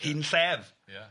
Hunllef, ia.